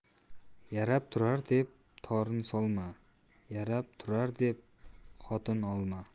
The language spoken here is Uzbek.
yarab turar deb torn solma yarab turar deb xotin olma